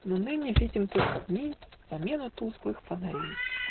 Но нынче видим только в ней Замену тусклых фонарей.